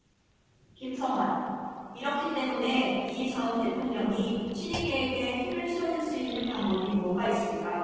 김성완 이렇기 때문에 이 전 대통령이 친이계에게 힘을 실어줄 수 있는 방법이 뭐가 있을까